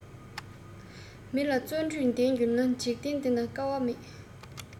མི ལ བརྩོན འགྲུས ལྡན འགྱུར ན འཇིག རྟེན འདི ན དཀའ བ མེད